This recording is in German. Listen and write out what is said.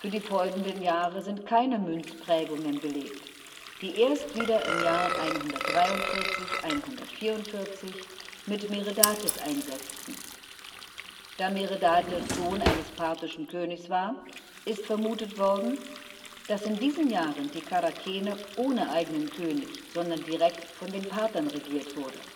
die folgenden Jahre sind keine Münzprägungen belegt, die erst wieder im Jahr 143/4 mit Meredates einsetzten. Da Meredates Sohn eines parthischen Königs war, ist vermutet worden, dass in diesen Jahren die Charakene ohne eigenen König, sondern direkt von den Parthern regiert wurde